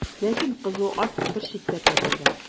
Ләкин кызу ат бер читкә тайпылды.